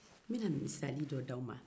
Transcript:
n'bɛna misali dɔ di aw ma